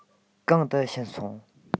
གང དུ ཕྱིན སོང